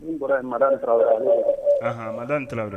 Ma tarawele